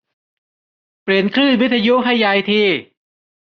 เปลี่ยนคลื่นวิทยุให้ยายที